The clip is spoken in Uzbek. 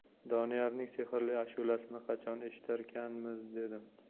doniyorning sehrli ashulasini qachon eshitarkinmiz dedim